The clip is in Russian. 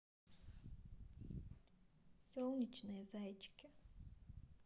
солнечные зайчики